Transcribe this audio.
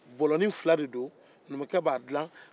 bɔlɔnin fila bɛ dila numukɛ fɛ